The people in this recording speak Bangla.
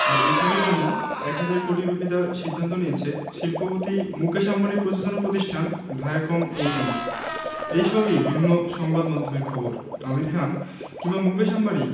আর এই ছবির জন্য এক হাজার কোটি রুপি দেওয়ার সিদ্ধান্ত নিয়েছে শিল্পপতি মুকেশ আম্বানির প্রযোজনা প্রতিষ্ঠান ভায়াকম এইটিন এই সবই বিভিন্ন সংবাদমাধ্যমের খবর আমির খান কিংবা মুকেশ আম্বানি